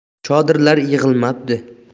chodirlar yig'ilmabdi